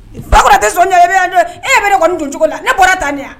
Ba tɛ son e ne kɔni don cogo la ne bɔra taa di yan